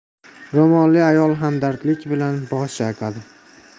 ro'molli ayol hamdardlik bilan bosh chayqadi